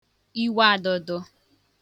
iwaādọ̄dọ̄